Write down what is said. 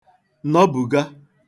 nọbuga